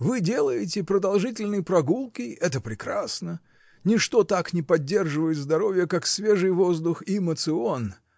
Вы делаете продолжительные прогулки — это прекрасно: ничто так не поддерживает здоровья, как свежий воздух и моцион.